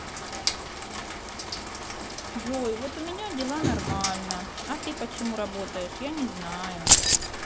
джой вот у меня дела нормально а ты почему работаешь я не знаю